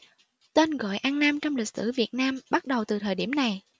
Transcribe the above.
tên gọi an nam trong lịch sử việt nam bắt đầu từ thời điểm này